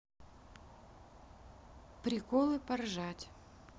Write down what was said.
приколы поржать